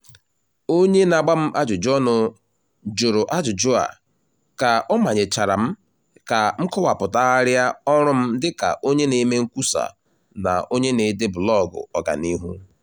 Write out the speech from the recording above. Onye na-agba m ajụjụ ọnụ jụrụ ajụjụ a ka ọ manyechara m ka m kọwapụtagharịa ọrụ m dịka onye na-eme nkwusa na onye na-ede blọọgụ ọganihu.